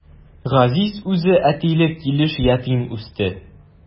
Газиз үзе әтиле килеш ятим үсте.